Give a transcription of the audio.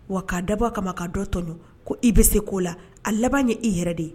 Wa k'a dabɔ a kama ka dɔ tɔɲɔn ko i bɛ se k'o la, a laban y' i yɛrɛ de ye.